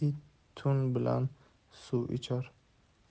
it tun bilan suv ichar